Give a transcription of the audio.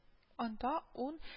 Анда ун